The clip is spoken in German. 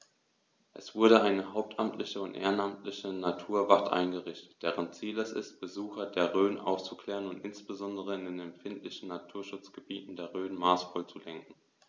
Es wurde eine hauptamtliche und ehrenamtliche Naturwacht eingerichtet, deren Ziel es ist, Besucher der Rhön aufzuklären und insbesondere in den empfindlichen Naturschutzgebieten der Rhön maßvoll zu lenken.